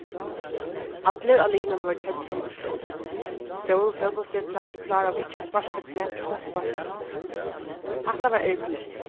allir á liðnum vóru keddir um úrslitið stóru fótbóltsstjørnurnar kláraðu ikki at sparka seg til heimsmeistaraheitið hatta var ergiligt